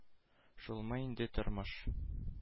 Шулмы инде тормыш!